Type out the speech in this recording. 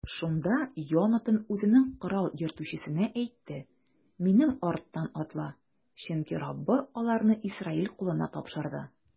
Шунда Йонатан үзенең корал йөртүчесенә әйтте: минем арттан атла, чөнки Раббы аларны Исраил кулына тапшырды.